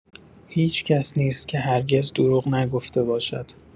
هیچ‌کس نیست که هرگز دروغ نگفته باشد.